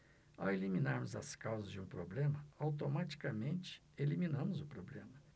ao eliminarmos as causas de um problema automaticamente eliminamos o problema